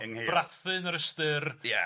So, brathu'n yr ystyr... Ia...